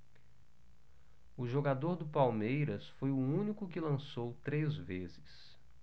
o jogador do palmeiras foi o único que lançou três vezes